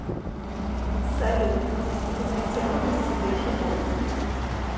салют ты хотела бы себе животные